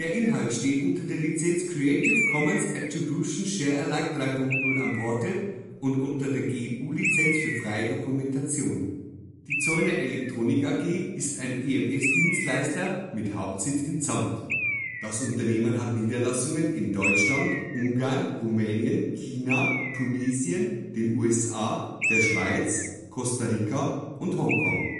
Inhalt steht unter der Lizenz Creative Commons Attribution Share Alike 3 Punkt 0 Unported und unter der GNU Lizenz für freie Dokumentation. Zollner Elektronik AG Rechtsform Aktiengesellschaft Gründung 1965 Sitz Zandt, Bayern, Deutschland Deutschland Leitung Manfred Zollner sen. (Aufsichtsratsvorsitzender) Johann Weber (Vorstandsvorsitzender) Ludwig Zollner (stellvertretender Vorsitzender) Manfred Zollner (Mitglied des Vorstands) Christian Zollner (Mitglied des Vorstands) Thomas Schreiner (Mitglied des Vorstands) Mitarbeiter 9.596 (31. Dez. 2015) Umsatz 1.180 Mio. Euro (2015) Branche Electronics Manufacturing Services Website www.zollner.de Die Zollner Elektronik AG ist ein EMS-Dienstleister mit Hauptsitz in Zandt. Das Unternehmen hat Niederlassungen in Deutschland, Ungarn, Rumänien, China, Tunesien, den USA, der Schweiz, Costa Rica und Hongkong